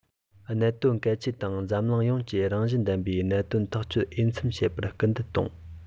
གནད དོན གལ ཆེན དང འཛམ གླིང ཡོངས ཀྱི རང བཞིན ལྡན པའི གནད དོན ཐག གཅོད འོས འཚམ བྱེད པར སྐུལ འདེད གཏོང